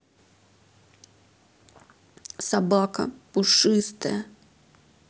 собака пушистая